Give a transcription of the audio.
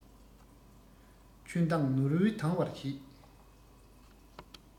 ཆུ མདངས ནོར བུས དྭངས པར བྱེད